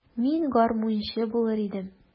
Мин гармунчы булыр идем.